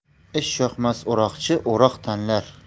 ishyoqmas o'roqchi o'roq tanlar